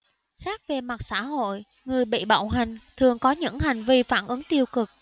xét về mặt xã hội người bị bạo hành thường có những hành vi phản ứng tiêu cực